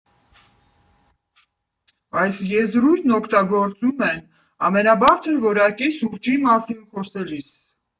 Այս եզրույթն օգտագործում են ամենաբարձր որակի սուրճի մասին խոսելիս։